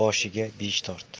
boshiga besh tort